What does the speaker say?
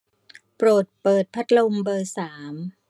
โปรดเปิดพัดลมเบอร์สาม